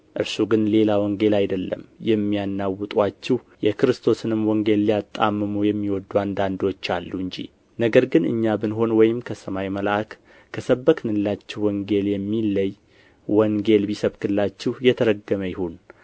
እርሱ ግን ሌላ ወንጌል አይደለም የሚያናውጡአችሁ የክርስቶስንም ወንጌል ሊያጣምሙ የሚወዱ አንዳንዶች አሉ እንጂ ነገር ግን እኛ ብንሆን ወይም ከሰማይ መልአክ ከሰበክንላችሁ ወንጌል የሚለይ ወንጌልን ቢሰብክላችሁ የተረገመ ይሁን